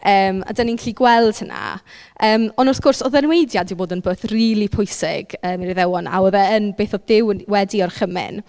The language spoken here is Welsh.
Yym a dan ni'n gallu gweld hynna, yym ond wrth gwrs oedd y enwaediad 'di bod yn beth rili pwysig yn yr Iddewon a oedd e yn beth oedd Duw yn- wedi orchymyn.